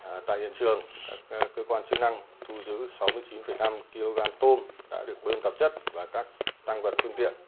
à tại hiện trường các cơ quan chức năng thu giữ sáu mươi chín phẩy năm ki lô gam tôm đã được bơm tạp chất và các tang vật phương tiện